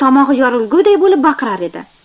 tomog'i yorilguday bo'lib baqirar edi